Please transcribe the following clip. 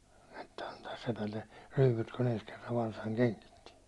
että antaa sepälle ryypyt kun ensi kerran varsan kengitti